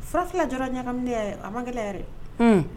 Fara fila jara ɲam ye a makɛ yɛrɛ